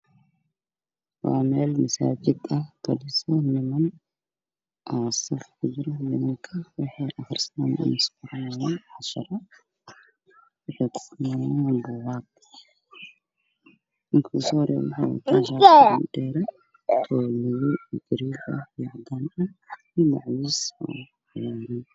Waa meel masaajid ah waxaa fadhiyo niman oo saf kujiro oo aqrisanayo kitaabo ninka ugu soo horeeyo waxuu wataa shaati gacmo dheer ah oo madow , garee iyo cadaan ah, iyo macawis cagaar ah.